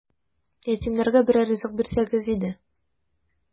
Ятимнәргә берәр ризык бирсәгез иде! ..